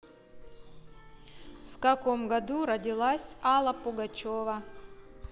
в каком году родилась алла пугачева